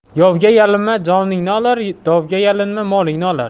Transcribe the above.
yovga yalinma joningni olar dovga yalinma molingni olar